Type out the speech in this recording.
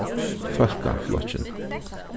fólkaflokkin